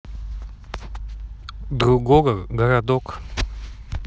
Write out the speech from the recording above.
другого городок